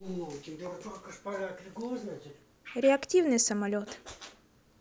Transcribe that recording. реактивный самолет